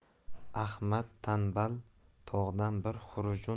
ahmad tanbal tog'dan bir